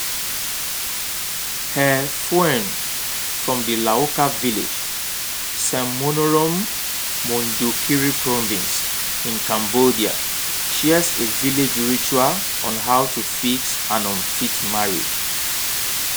Hea Phoeun from the Laoka Village, Senmonorom, Mondulkiri Province in Cambodia shares a village ritual on how to fix an unfit marriage.